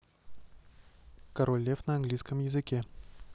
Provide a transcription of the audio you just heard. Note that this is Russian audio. король лев на английском языке